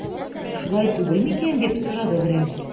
Шулай түгел микән дип сорады берәү.